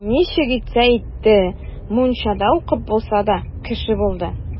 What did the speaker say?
Ничек итсә итте, мунчада укып булса да, кеше булды.